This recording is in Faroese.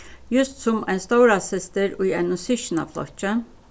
júst sum ein stórasystir í einum systkinaflokki